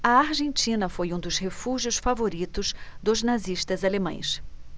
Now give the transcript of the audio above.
a argentina foi um dos refúgios favoritos dos nazistas alemães